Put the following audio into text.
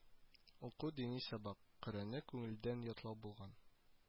Уку дини сабак, Коръәнне күңелдән ятлау булган